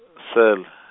sele.